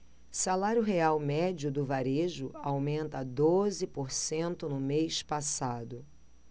salário real médio do varejo aumenta doze por cento no mês passado